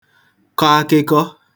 kọ akịkọ